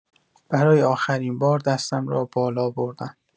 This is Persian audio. برای آخرین‌بار دستم را بالا بردم.